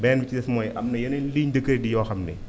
beneen bi ci des mooy am na yeneen ligne de crédit yoo xam ne